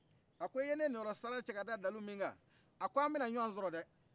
a ko i ye ne ninyɔrɔsara cɛ ka da dalu min ka a ko anbɛ na ɲɔɔ sɔrɔ dɛhh